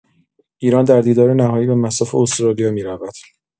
ایران در دیدار نهایی به مصاف استرالیا می‌رود.